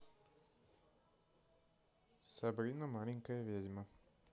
сабрина маленькая ведьма